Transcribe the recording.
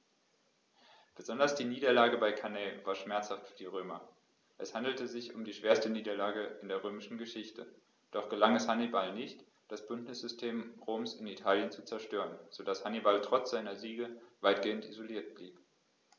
Besonders die Niederlage bei Cannae war schmerzhaft für die Römer: Es handelte sich um die schwerste Niederlage in der römischen Geschichte, doch gelang es Hannibal nicht, das Bündnissystem Roms in Italien zu zerstören, sodass Hannibal trotz seiner Siege weitgehend isoliert blieb.